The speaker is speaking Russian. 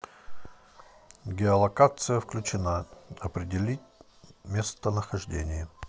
геолокация включена определи местонахождение